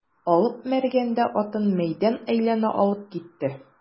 Алып Мәргән дә атын мәйдан әйләнә алып китте.